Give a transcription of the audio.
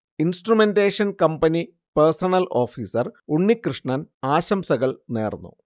instrumentation company personnel officer Unnikrishnan ആശംസകൾ നേർന്നു